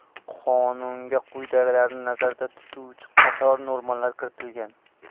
gi qonunga quyidagilarni nazarda tutuvchi qator normalar kiritilgan